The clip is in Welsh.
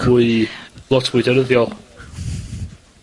...fwy, lot fwy defnyddiol.